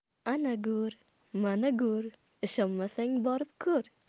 ana go'r mana go'r ishonmasang borib ko'r